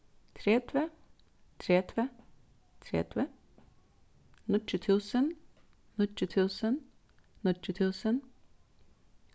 tretivu tretivu tretivu níggju túsund níggju túsund níggju túsund